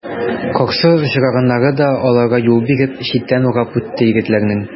Каршы очраганнары да аларга юл биреп, читтән урап үтте егетләрнең.